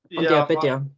Ond ia, be ydy o?